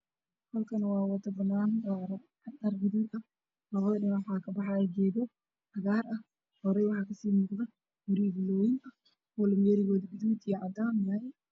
Waa meel waddo ah waxaa ii muuqda guryo waxaa ka soo sokeeyo geedo cagaaran oo faro badan